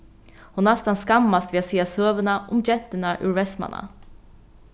hon næstan skammast við at siga søguna um gentuna úr vestmanna